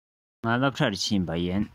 ང སློབ གྲྭར ཕྱིན པ ཡིན